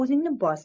o'zingni bos